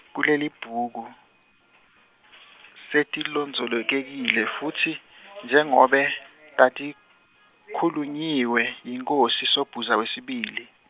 Kulelibhuku , setilondvolotekile futsi njengobe, tatikhulunyiwe yinkhosi Sobhuza wesibili.